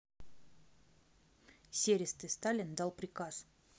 серистый сталин дал приказ